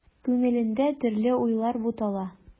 Күңелендә төрле уйлар бутала.